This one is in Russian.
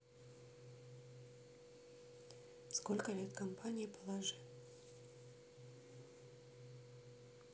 сколько лет компании положи